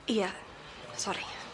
Ie sori.